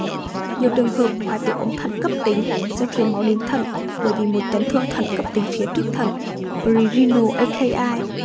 nhiều trường hợp hoại tử ống thận cấptính do thiếu máu đến thận bởi vì chấn thương thận cấptính